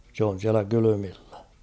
se on siellä kylmillä